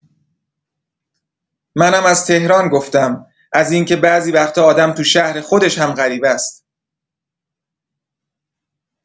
منم از تهران گفتم، از اینکه بعضی وقتا آدم تو شهر خودش هم غریبه‌ست.